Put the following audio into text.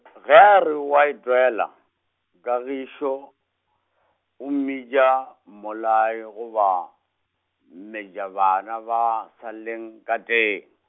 ge a re oa itwela, Kagišo , o mmitša mmolai goba, metša bana ba sa leng ka teng.